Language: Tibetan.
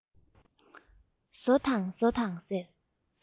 ཟོ དང ཟོ དང ཟེར